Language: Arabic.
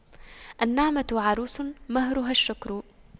النعمة عروس مهرها الشكر